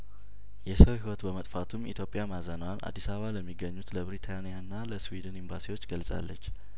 የሰው ህይወት በመጥፋቱም ኢትዮጵያ ማዘኗን አዲስአባ ለሚገኙት ለብሪታንያና ለስዊድን ኤምባሲዎች ገልጻለች